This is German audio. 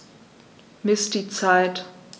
Miss die Zeit.